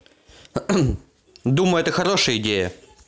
думаю это хорошая идея